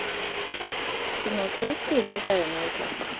Så nå skal vi spise sauene vi klappa.